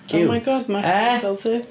Ciwt... Oh my God... E?